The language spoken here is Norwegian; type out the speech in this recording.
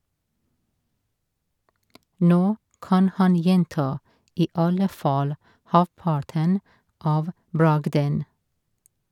Nå kan han gjenta i alle fall halvparten av bragden.